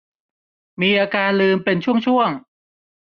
มีอาการลืมเป็นช่วงช่วง